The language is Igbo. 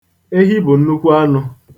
Ehi bụ nnukwu anụ.